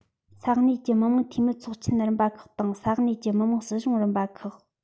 ས གནས ཀྱི མི དམངས འཐུས མིའི ཚོགས ཆེན རིམ པ ཁག དང ས གནས ཀྱི མི དམངས སྲིད གཞུང རིམ པ ཁག